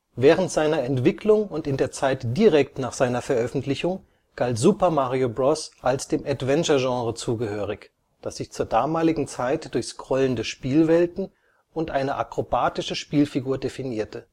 Während seiner Entwicklung und in der Zeit direkt nach seiner Veröffentlichung galt Super Mario Bros. als dem Adventure-Genre zugehörig, das sich zur damaligen Zeit durch scrollende Spielwelten und eine akrobatische Spielfigur definierte